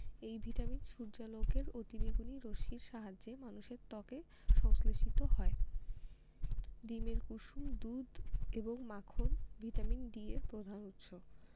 এই ভিটামিন সূর্যালোকের অতিবেগুনি রশ্মির সাহায্যে মানুষের ত্বকে সংশ্লেষিত হয় ডিমের কুসুম দুধ এবং মাখন ভিটামিন D এর প্রধান উৎস